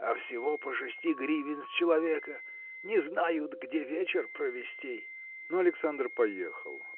а всего по шести гривен с человека! Не знают, где вечер провести! Но Александр поехал.